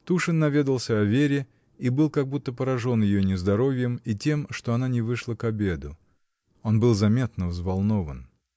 Тушин наведался о Вере и был как будто поражен ее нездоровьем и тем, что она не вышла к обеду. Он был заметно взволнован.